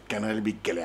Gana de bɛ gɛlɛya